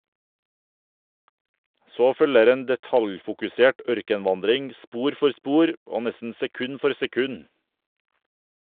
Så følger en detaljfokusert ørkenvandring spor for spor, og nesten sekund for sekund.